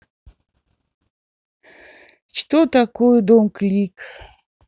что такое дом клик